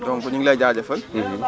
donc ñu ngi lay jaajëfal